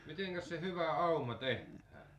mitenkäs se hyvä auma tehdään